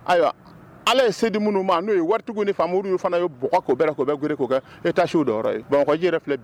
Ayiwa g